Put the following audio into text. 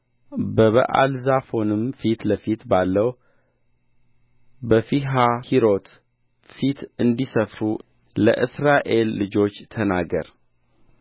በበኣልዛፎንም ፊት ለፊት ባለው በፊሀሒሮት ፊት እንዲሰፍሩ ለእስራኤል ልጆች ተናገር